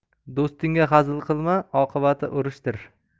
do'stingga hazil qilma oqibati urishdir